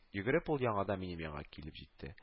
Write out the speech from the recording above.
Йөгереп ул яңадан минем янга килеп җитте